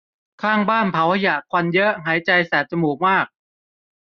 ข้างบ้านเผาขยะควันเยอะหายใจแสบจมูกมาก